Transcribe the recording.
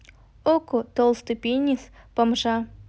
okko толстый пенис бомжа